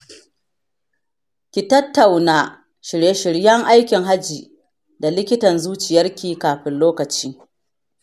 ki tattauna shirye-shiryen aikin hajji da likitan zuciyarki kafin lokaci.